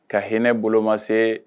Ka hinɛ bolo ma se